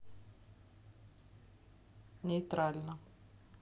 нейтрально